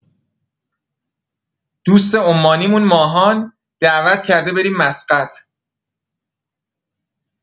دوست عمانیمون، ماهان، دعوت کرده بریم مسقط.